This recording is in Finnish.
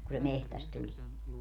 kun se metsästä tulee